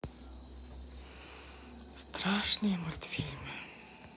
страшные мультфильмы